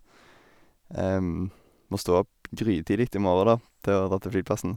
Må stå opp grytidlig i morgen, da, til å dra til flyplassen.